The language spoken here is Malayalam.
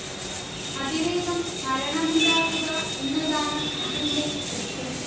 അതിവേഗം മരണമുണ്ടാക്കുക എന്നതാണ് ഇതിന്റെ ലക്ഷ്യം